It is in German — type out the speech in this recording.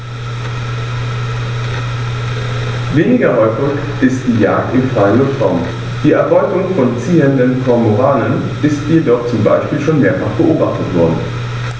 Weniger häufig ist die Jagd im freien Luftraum; die Erbeutung von ziehenden Kormoranen ist jedoch zum Beispiel schon mehrfach beobachtet worden.